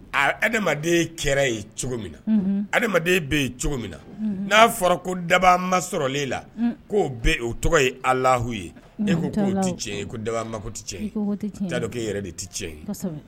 A adamaden kɛra ye cogo min adamaden bɛ cogo min na n'a fɔra ko daba ma sɔrɔlen la k'o o tɔgɔ ye ala lahu ye e ko tɛ cɛ ye ko daba ma tɛ tiɲɛ ye daloke e yɛrɛ de tɛ cɛ ye